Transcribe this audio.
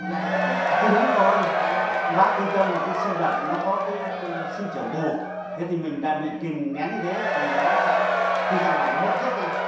đúng rồi bác yên tâm là cái sinh vật nó có cái sinh trưởng bù thế thì mình đã bị kìm nén như thế thì nó sẽ khi ra ngoài nó bốc rất nhanh